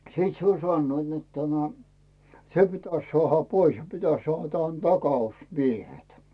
sitten se oli sanoivat että tämä se pitäisi saada pois ja pitäisi -- takausmiehet